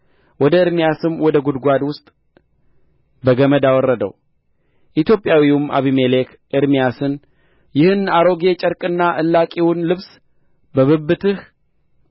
ወደ ኤርምያስም ወደ ጉድጓድ ውስጥ በገመድ አወረደው ኢትዮጵያዊውም አቤሜሌክ ኤርምያስን ይህን አሮጌ ጨርቅና እላቂውን ልብስ በብብትህ